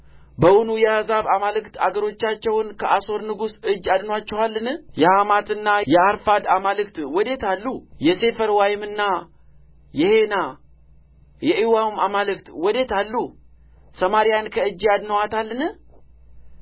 በውኑ የአሕዛብ አማልክት አገሮቻቸውን ከአሦር ንጉሥ እጅ አድነዋቸዋልን የሐማትና የአርፋድ አማልክት ወዴት አሉ የሴፈርዋይምና የሄና የዒዋም አማልክት ወዴት አሉ ሰማርያን ከእጄ አድነዋታልን